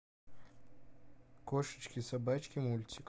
кошечки собачки мультик